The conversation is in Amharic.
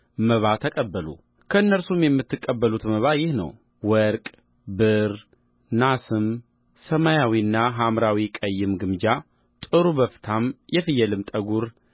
መባ ተቀበሉ ከእነርሱም የምትቀበሉት መባ ይህ ነው ወርቅ ብር ናስም ሰማያዊና ሐምራዊ ቀይም ግምጃ ጥሩ በፍታም የፍየልም ጠጕር